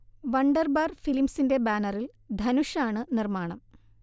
Wunderbar ഫിലിംസിൻെ്റ ബാനറിൽ ധനുഷ് ആണ് നിർമ്മാണം